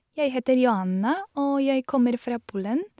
Jeg heter Joanna, og jeg kommer fra Polen.